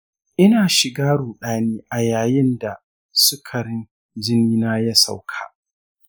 ina shiga ruɗani a yayin da sukarin jinina ya sauka.